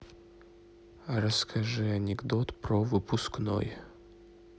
расскажи анекдот про выпускной